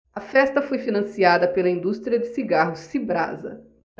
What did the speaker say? a festa foi financiada pela indústria de cigarros cibrasa